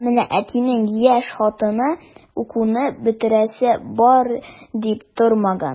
Ә менә әтинең яшь хатыны укуны бетерәсе бар дип тормаган.